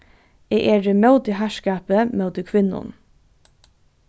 eg eri móti harðskapi móti kvinnum